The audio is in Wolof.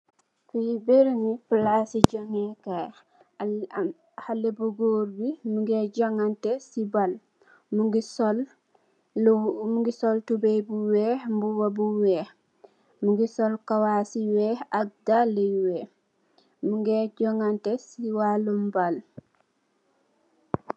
Fi berembi palaci jonge kai xale bu goor bi moge joganteh si baal mogi sol tubai bu weex mbuba bu weex mugi sol kawas yu weex ak daala yu weex mogeh joganteh si walum baal.